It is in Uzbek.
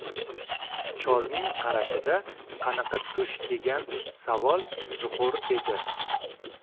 cholning qarashida qanaqa tush degan savol zuhur edi